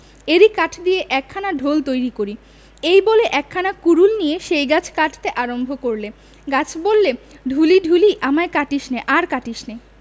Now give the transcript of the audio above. এরই কাঠ দিয়ে একটা ঢোল তৈরি করি এই বলে একখানা কুডুল নিয়ে সেই গাছ কাটতে আরম্ভ করলে গাছ বললে ঢুলি ঢুলি আমায় কাটিসনে আর কাটিসনে